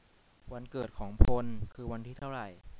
วันเกิดของพลคือวันที่เท่าไร